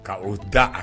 K ka'o da